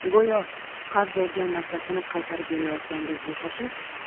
go'yo qarz olgan narsasini qaytarib berayotgandek bo'shashib